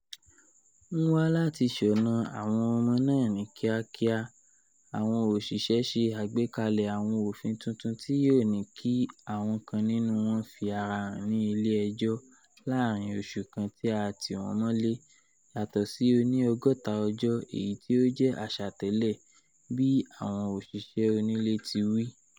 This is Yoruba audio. N wa lati ṣoṅa awọn ọmọ naa ni kiakia, awọn oṣiṣẹ ṣe agbekalẹ awọn ofin tuntun ti yoo ni ki awọn kan nínú wọn fi ara han ni ile ẹjọ laarin oṣu kan ti a ti wọn mọle, yatọsi oni ọgọta ọjọ, eyi ti o jẹ aṣa tẹlẹ, bii awọn oṣiṣẹ onile ti wi.